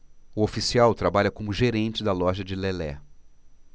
o oficial trabalha como gerente da loja de lelé